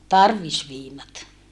tarvisviinat